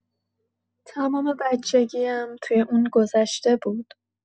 تمام بچگی‌ام توی اون گذشته بود.